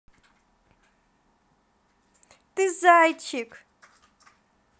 ты зайчик